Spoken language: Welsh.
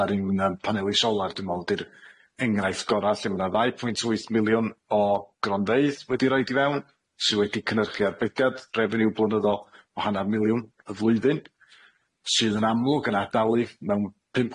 ma'r un yym paneli solar dwi me'wl di'r enghraiff gora lle ma' 'na ddau pwynt wyth miliwn o gronfeydd wedi roid i fewn, sy wedi cynhyrchu arbediad refeniw blynyddol o hanner miliwn y flwyddyn sydd yn amlwg yn adalu mewn pump,